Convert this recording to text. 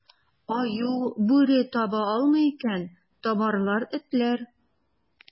Аю, бүре таба алмый икән, табарлар этләр.